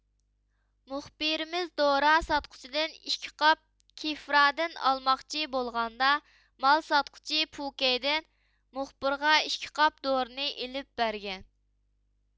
مۇخبىرىمىز دورا ساتقۇچىدىن ئىككى قاپ كېفرادىن ئالماقچى بولغاندا مال ساتقۇچى پوكەيدىن مۇخبىرغا ئىككى قاپ دورىنى ئېلىپ بەرگەن